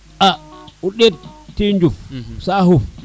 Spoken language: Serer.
a o ɗeet te njuɓ saxof